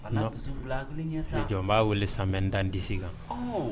A jɔn b'a wele san bɛ dan dise kan